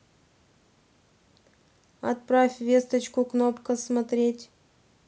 отправь весточку кнопка смотреть